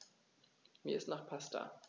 Mir ist nach Pasta.